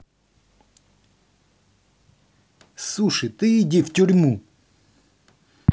суши ты иди в тюрьму